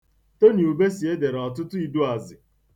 Tony Ubesie dere ọtụtụ iduuazị